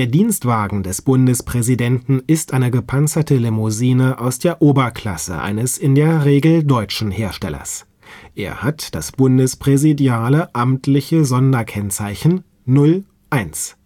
Dienstwagen des Bundespräsidenten ist eine gepanzerte Limousine aus der Oberklasse eines in der Regel deutschen Herstellers. Er hat das bundespräsidiale amtliche Sonderkennzeichen „ 0 – 1